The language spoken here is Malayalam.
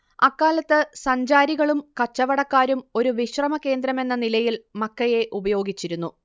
അക്കാലത്ത് സഞ്ചാരികളും കച്ചവടക്കാരും ഒരു വിശ്രമ കേന്ദ്രമെന്ന നിലയിൽ മക്കയെ ഉപയോഗിച്ചിരുന്നു